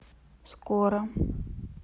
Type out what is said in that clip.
скоро